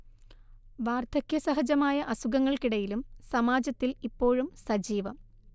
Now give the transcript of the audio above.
വാർധക്യസഹജമായ അസുഖങ്ങൾക്കിടയിലും സമാജത്തിൽ ഇപ്പോഴും സജീവം